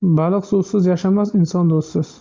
bahq suvsiz yashamas inson do'stsiz